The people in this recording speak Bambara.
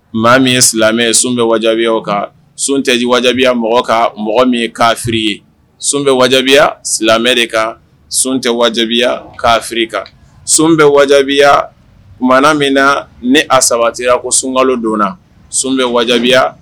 Maa min ye silamɛ ye sun bɛ wajibiya kan sun tɛjijibiya mɔgɔ kan mɔgɔ min ye kaafiri ye sun bɛ wajibiya silamɛ de kan sun tɛ wajibiya kaari kan sun bɛ wajibi jaabiya maa min na ne a sabatɛya ko sunka donna sun bɛ wajibiya